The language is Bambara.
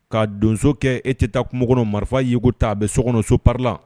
Ka donso kɛ e tɛ taa kungo kɔnɔ marifa yku ta a bɛ sokɔnɔso pa la